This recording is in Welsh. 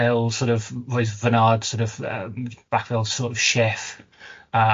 fel sor' of roedd fy n'ad sor' of, yym bach fel sor' of chef a